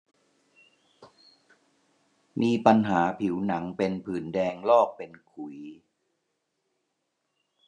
มีปัญหาผิวหนังเป็นผื่นแดงลอกเป็นขุย